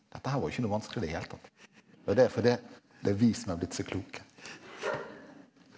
dette her var jo ikke noe vanskelig i det hele tatt og det er for det det er vi som er blitt så kloke.